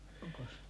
onko